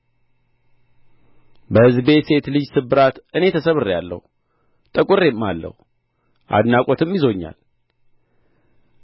በሕዝቤ ሴት ልጅ ስብራት እኔ ተሰብሬአለሁ ጠቁሬማለሁ አድናቆትም ይዞኛል